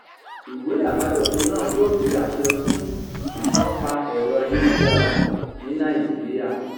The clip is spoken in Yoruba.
Ìwé àbádòfin náà yóò fi àṣẹ fún ìṣánpa ẹ̀rọ ayélujára ní Nàìjíríàj